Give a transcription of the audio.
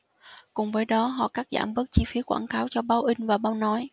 cùng với đó họ cắt giảm bớt chi phí quảng cáo cho báo in và báo nói